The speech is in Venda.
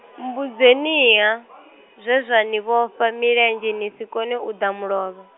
mmbudzeniha, zwizwa ni vhofha milenzhe nisi kone uda mulovha?